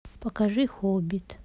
покажи хоббит